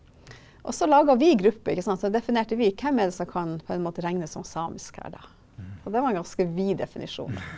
også laga vi grupper ikke sant så definerte vi hvem er det som kan på en måte regnes som samisk her da, og det var en ganske vid definisjon.